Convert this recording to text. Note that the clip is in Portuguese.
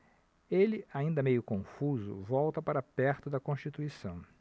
ele ainda meio confuso volta para perto de constituição